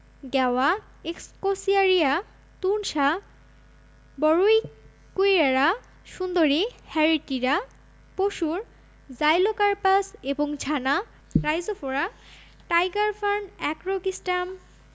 গেওয়া এক্সকোসিয়ারিয়া তুনশা ব্রুগুইএরা সুন্দরী হেরিটিরা পশুর জাইলোকারপাস এবং ঝানা রাইজোফোরা টাইগার ফার্ন অ্যাক্রোস্টিকাম